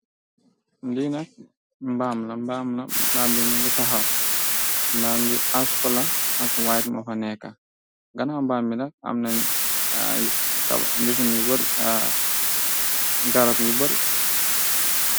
Linak mbaam la mbaam la mbaambimu ngi taxaw mbaam bi doom ak weex mofa nekka gana mbàmbi nak amna ay garab yu bëri.